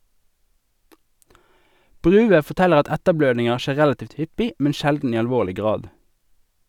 Bruwe forteller at etterblødninger skjer relativt hyppig, men sjelden i alvorlig grad.